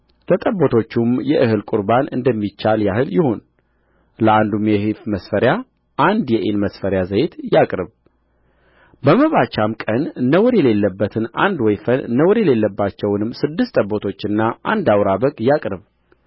ለጠቦቶቹም የእህል ቍርባን እንደሚቻል ያህል ይሁን ለአንዱም የኢፍ መስፈሪያ አንድ የኢን መስፈሪያ ዘይት ያቅርብ በመባቻም ቀን ነውር የሌለበትን አንድ ወይፈን ነውር የሌለባቸውንም ስድስት ጠቦቶችና አንድ አውራ በግ ያቅርብ